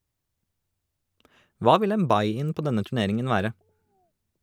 Hva vil en buy-in på denne turneringen være?